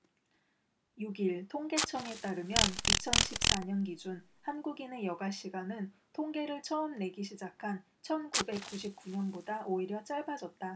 육 일 통계청에 따르면 이천 십 사 년 기준 한국인의 여가 시간은 통계를 처음 내기 시작한 천 구백 구십 구 년보다 오히려 짧아졌다